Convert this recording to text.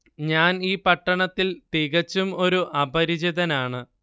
ഞാൻ ഈ പട്ടണത്തിൽ തികച്ചും ഒരു അപരിചിതനാണ്